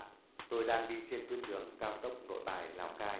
tôi đang đi trên tuyến đường cao tốc nội bài lào cai